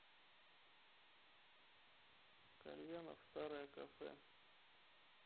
кальянов старое кафе